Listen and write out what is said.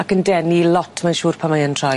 Ac yn denu lot mae'n siŵr pan mae e'n troi.